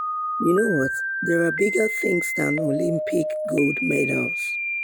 "You know what, there are bigger things than Olympic gold medals.